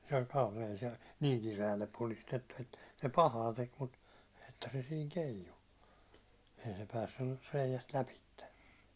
se oli kaulaan se niin kireälle puristettu että se pahaa teki mutta että se siinä keijui että ei se päässyt reiästä lävitse